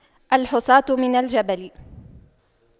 الحصاة من الجبل